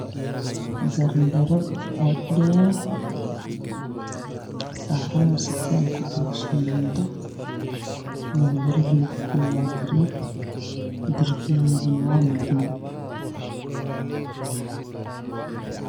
Jaraanjo dheer oo saaran yahay sakeel ay ku jirto shamiinto